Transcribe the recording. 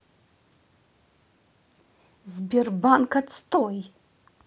сбербанк отстой